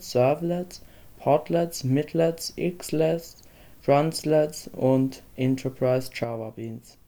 Servlets, Portlets, Midlets, Xlets, Translets, und Enterprise Java Beans